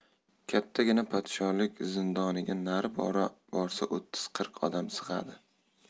kattagina podsholik zindoniga nari borsa o'ttiz qirq odam sig'adi